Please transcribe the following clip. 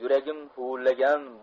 yuragim huvillagan